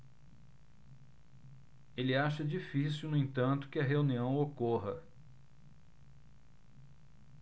ele acha difícil no entanto que a reunião ocorra